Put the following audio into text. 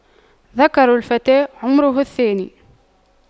ذكر الفتى عمره الثاني